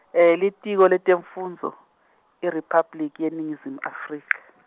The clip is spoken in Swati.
Litiko leTemfundvo IRiphabliki yeNingizimu Afrika.